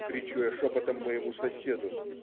- кричу я шепотом моему соседу.